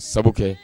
Sabu